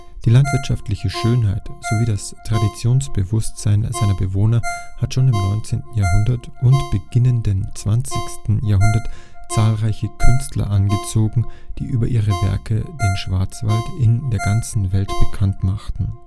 Die landschaftliche Schönheit sowie das Traditionsbewusstsein seiner Bewohner hat schon im 19. Jahrhundert und beginnenden 20. Jahrhundert zahlreiche Künstler angezogen, die über ihre Werke den Schwarzwald in der ganzen Welt bekannt machten